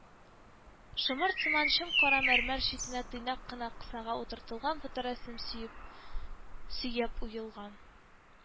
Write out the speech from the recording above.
Шомырт сыман чем-кара мәрмәр читенә тыйнак кына кысага утыртылган фоторәсем сөеп сөяп куелган